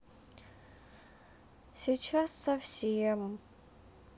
сейчас совсем